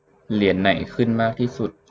เหรียญไหนขึ้นมากที่สุด